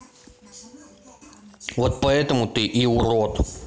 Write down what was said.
вот поэтому ты и урод